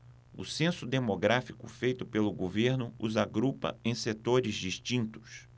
o censo demográfico feito pelo governo os agrupa em setores distintos